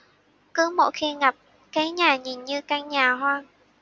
cứ mỗi khi ngập cái nhà nhìn như căn nhà hoang